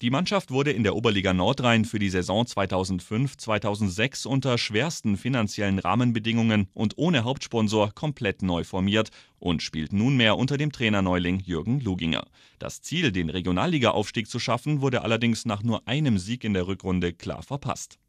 Mannschaft wurde in der Oberliga Nordrhein für die Saison 2005/2006 unter schwersten finanziellen Rahmenbedingungen und ohne Hauptsponsor komplett neu formiert und spielt nunmehr unter dem Trainer-Neuling Jürgen Luginger. Das Ziel, den Regionalliga-Aufstieg zu schaffen, wurde allerdings - nach nur einem Sieg in der Rückrunde 2006 - klar verpasst